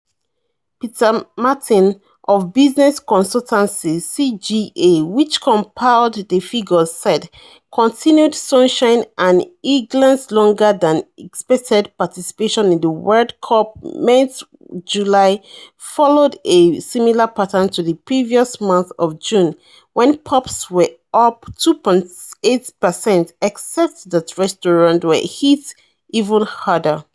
Peter Martin, of business consultancy CGA, which compiled the figures, said: "Continued sunshine and England's longer than expected participation in the World Cup meant July followed a similar pattern to the previous month of June, when pubs were up 2.8 per cent, except that restaurants were hit even harder.